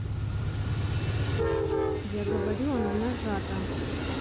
я говорю она нажата